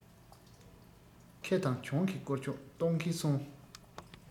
ཁེ དང གྱོང གི བསྐོར ཕྱོགས གཏོང གིན སོང